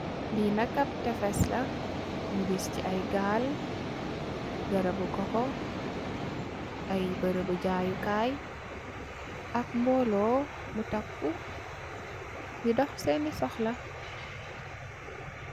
Li nak ap tefes la. Ñi gis ci ay gal, garabu koko ay barabu jayukai ak mbolo mu takku di dox sééni soxla.